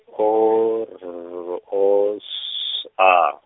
O R O S A.